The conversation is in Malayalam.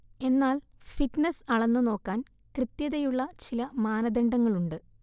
എന്നാൽ ഫിറ്റ്നെസ് അളന്നുനോക്കാൻ കൃത്യതയുള്ള ചില മാനദണ്ഡങ്ങളുണ്ട്